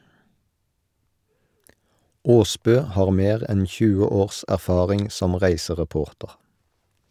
Aasbø har mer enn 20 års erfaring som reisereporter.